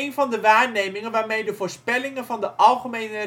van de waarnemingen waarmee de voorspellingen van de algemene